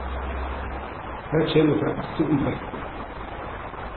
tað kemur tær aftur um brekku